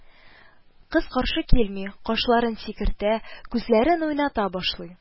Кыз каршы килми, кашларын сикертә, күзләрен уйната башлый